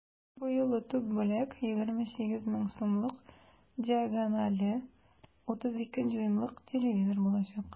Бу юлы төп бүләк 28 мең сумлык диагонале 32 дюймлык телевизор булачак.